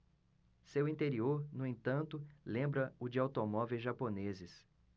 seu interior no entanto lembra o de automóveis japoneses